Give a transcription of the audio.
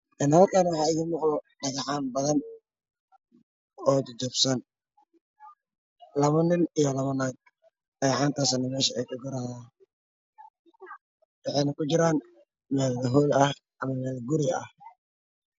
Halkaan waxaa iga muuqdo dhagaxaan badan oo jajabsan laba nin iyo labo naag ayaa dhagaxanta meesha ka guraayo waxayna kujiraan meel hool ah ama meel guri ah